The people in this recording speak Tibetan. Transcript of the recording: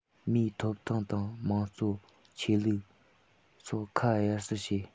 མིའི ཐོབ ཐང དང དམངས གཙོ ཆོས ལུགས སོགས ཁ གཡར སར བྱས